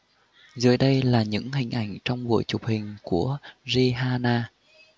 dưới đây là những hình ảnh trong buổi chụp hình của rihanna